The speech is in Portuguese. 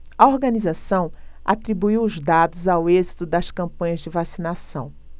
a organização atribuiu os dados ao êxito das campanhas de vacinação